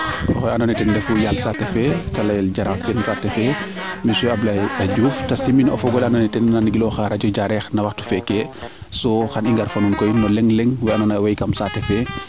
oxe ando naye ten refu yaal saate fe te leyel jaraaf fe saate fe monsieur Ablaye Diouf te simin o fogole ando naye ten na nan gilooxa radio Diarekh no waxtu feeke so xa i ngar fo nuun koy no leŋ leŋ wa ando naye owey kam saate fe